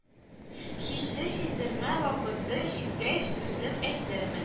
Һичне сиздермә вакыты җиткәч үзем әйтермен